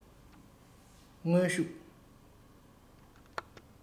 དངོས ཤུགས